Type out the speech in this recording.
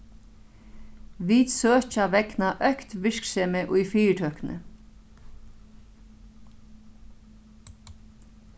vit søkja vegna økt virksemi í fyritøkuni